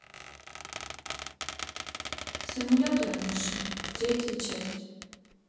симулятор мыши третья часть